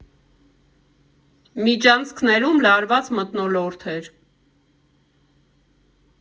Միջանցքներում լարված մթնոլորտ էր։